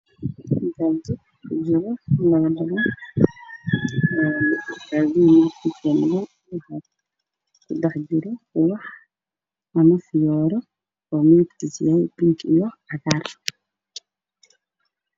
Waa geed ubax ah midabkiisu yahay cagaar waxa uu ku jiraa weel midow ah meel cadaan iyo saaran yahay